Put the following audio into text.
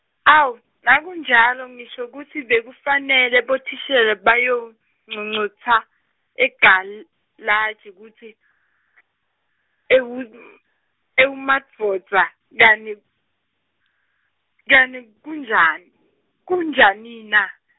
awu, nakunjalo ngisho kutsi bekufanele bothishela bayonconcotsa egal- -laji kutsi , ewu ewu madvodza kani, kani kunjan- kunjanina.